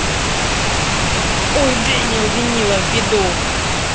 ой дэниэл винила ввиду